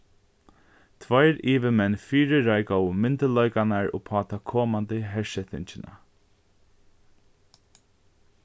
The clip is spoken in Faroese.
tveir yvirmenn fyrireikaðu myndugleikarnar upp á ta komandi hersetingina